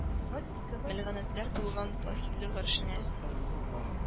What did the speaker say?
Мәлганәтләр тулган фахирле гаршеңә!